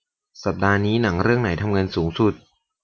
สัปดาห์นี้หนังเรื่องไหนทำเงินสูงสุด